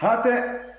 hatɛ